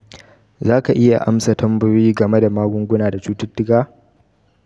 Zaka iya amsa tambayoyi game da magunguna da cututtuka?